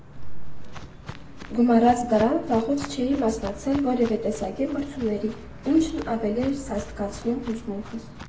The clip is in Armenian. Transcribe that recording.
Գումարած դրան՝ վաղուց չէի մասնակցել որևէ տեսակի մրցումների, ինչն ավելի էր սաստկացնում հուզմունքս։